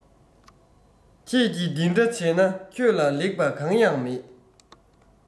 ཁྱེད ཀྱི འདི འདྲ བྱས ན ཁྱོད ལ ལེགས པ གང ཡང མེད